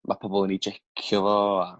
ma' pobol yn 'i jecio fo